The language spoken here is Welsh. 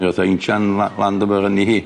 Mi o'th o injan la- Land Rover ynni hi.